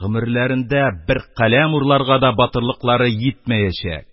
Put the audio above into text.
Гомерләрендә бер каләм урларга да батырлыклары йитмәячәк.